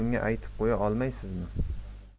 unga aytib qo'ya olmaysizmi